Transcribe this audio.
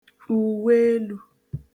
ùweelū